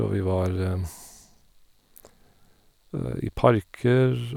Og vi var i parker.